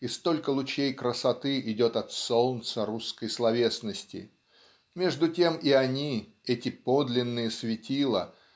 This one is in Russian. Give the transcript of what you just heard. и столько лучей красоты идет от Солнца русской словесности между тем и они эти подлинные светила